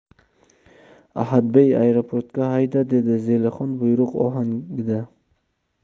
ahadbey aeroportga hayda dedi zelixon buyruq ohangida